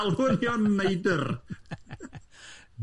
Alw ni o'n neidr!